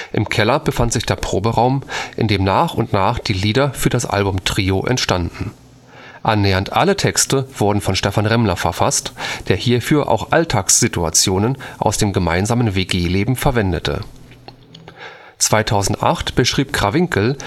Im Keller befand sich der Proberaum, in dem nach und nach die Lieder für das Album Trio entstanden. Annähernd alle Texte wurden von Stephan Remmler verfasst, der hierfür auch Alltagssituationen aus dem gemeinsamen WG-Leben verwendete. 2008 beschrieb Krawinkel